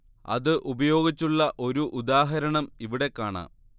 അത് ഉപയോഗിച്ചുള്ള ഒരു ഉദാഹരണം ഇവിടെ കാണാം